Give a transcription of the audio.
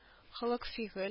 Холык-фигыль